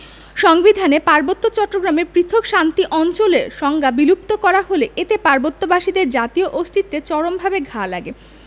সংবিধানে পার্বত্য চট্টগ্রামের পৃথক শান্তি অঞ্চলের সংজ্ঞা বিলুপ্ত করা হলে এতে পার্বত্যবাসীদের জাতীয় অস্তিত্বে চরমভাবে ঘা লাগে